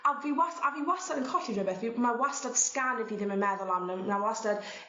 a fi was- a fi wastad yn colli rwbeth fi ma' wastad sgan 'yf fi ddim yn meddwl am ne' ma' wastad